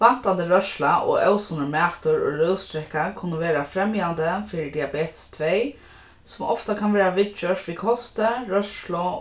vantandi rørsla og ósunnur matur og rúsdrekka kunnu vera fremjandi fyri diabetes tvey sum ofta kann verða viðgjørt við kosti rørslu